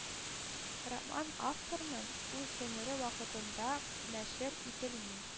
Роман авторның үз гомере вакытында нәшер ителми